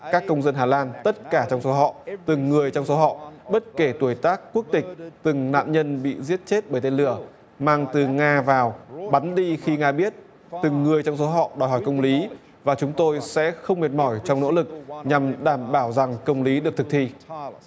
các công dân hà lan tất cả trong số họ từng người trong số họ bất kể tuổi tác quốc tịch từng nạn nhân bị giết chết bởi tên lửa mang từ nga vào bắn đi khi nga biết từng người trong số họ đòi hỏi công lý và chúng tôi sẽ không mệt mỏi trong nỗ lực nhằm đảm bảo rằng công lý được thực thi